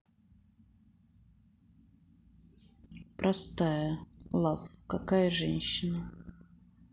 простая love какая женщина